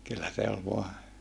kyllä se oli vain